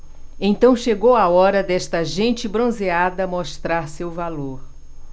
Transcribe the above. então chegou a hora desta gente bronzeada mostrar seu valor